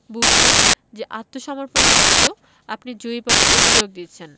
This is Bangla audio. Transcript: বুঝতেন যে আত্মসমর্পণের অর্থ আপনি জয়ী পক্ষে যোগ দিচ্ছেন